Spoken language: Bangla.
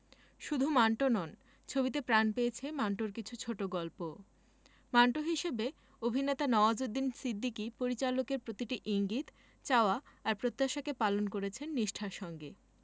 শুধু মান্টো নন ছবিতে প্রাণ পেয়েছে মান্টোর কিছু ছোটগল্পও মান্টো হিসেবে অভিনেতা নওয়াজুদ্দিন সিদ্দিকী পরিচালকের প্রতিটি ইঙ্গিত চাওয়া আর প্রত্যাশাকে পালন করেছেন নিষ্ঠার সঙ্গে